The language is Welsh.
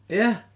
Ia?